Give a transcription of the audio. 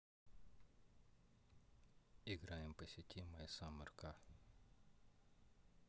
играем по сети my summer car